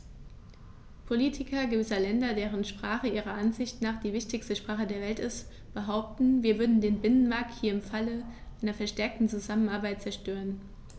Politiker gewisser Länder, deren Sprache ihrer Ansicht nach die wichtigste Sprache der Welt ist, behaupten, wir würden den Binnenmarkt hier im Falle einer verstärkten Zusammenarbeit zerstören.